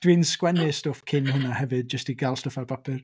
Dwi'n sgwennu stwff cyn hynna hefyd jyst i gael stwff ar bapur.